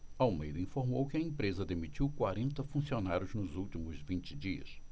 almeida informou que a empresa demitiu quarenta funcionários nos últimos vinte dias